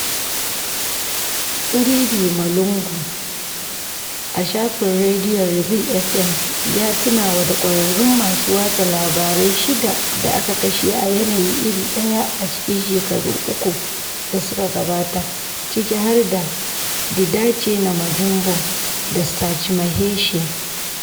Freddy Mulongo [Fr] a shafin rediyon Revéil FM, ya tunawa da ƙwararrun masu watsa labarai shida da aka kashe a yanayi iri ɗaya a cikin shekaru uku da suka gabata, ciki har da Didace Namujimbo da Serge Maheshe.